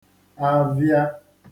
avịa